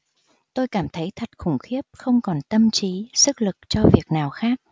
tôi cảm thấy thật khủng khiếp không còn tâm trí sức lực cho việc nào khác